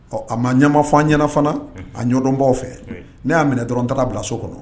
Ɔ a ma ɲɛma fɔ an ɲɛna fana a ɲɔdɔnbaw fɛ ne y'a minɛ dɔrɔn taara bila so kɔnɔ